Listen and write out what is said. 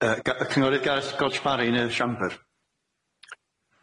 Yy ga- yy cynghorydd Gareth Godge Parry'n y siamper.